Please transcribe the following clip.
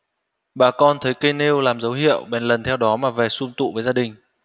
bà con thấy cây nêu là dấu hiệu bèn lần theo đó mà về sum tụ với gia đình